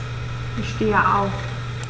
Ich stehe auf.